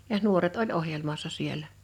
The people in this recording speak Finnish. ja nuoret oli ohjelmassa siellä